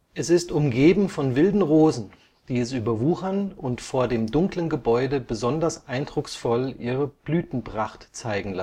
Es ist umgeben von wilden Rosen, die es überwuchern und vor dem dunklen Gebäude besonders eindrucksvoll ihre Blütenpracht zeigen